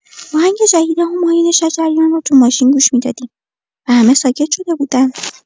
آهنگ جدید همایون شجریان رو تو ماشین گوش می‌دادیم و همه ساکت شده بودن.